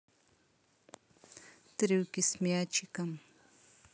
трюки с мячиком